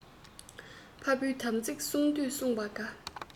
ཕ བུའི དམ ཚིག བསྲུང དུས བསྲུངས པ དགའ